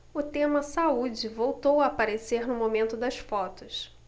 o tema saúde voltou a aparecer no momento das fotos